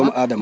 doomu aadama